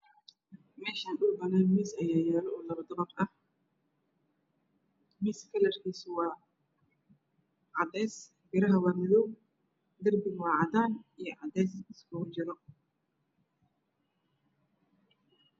Meeahani dhul banan miis ayaa yaalo miiska kalarkiisu waa cadays biraha waa madaw darbiguna waa cadaan cadayi isugu jira